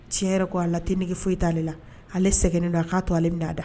Cɛ yɛrɛ ko a la te nege foyi t'ale la, ale sɛgɛnnen don a k'a to ale bɛn'a da